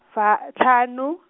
sa , hlano.